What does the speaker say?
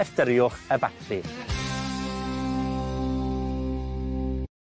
ystyriwch y batri.